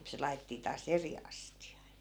se laitettiin taas eri astiaan